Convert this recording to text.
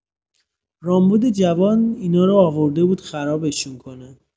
رامبد جوان اینارو آورده بود خرابشون کنه.